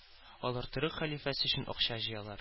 Алар төрек хәлифәсе өчен акча җыялар